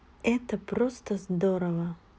это просто здорово